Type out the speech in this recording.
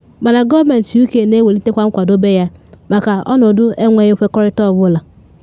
Mana Gọọmentị UK na ewelitekwa nkwadobe ya maka ọnọdụ enweghị nkwekọrịta ọ bụla.